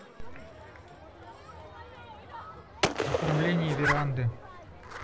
оформление веранды